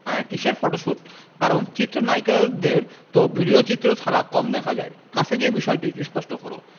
কিসের ফটোশুট কারণ চিত্রনায়িকাদের তো ভিডিওচিত্রে ছাড়া কম দেখা যায় কাছে গিয়ে বিষয়টি স্পষ্ট হলো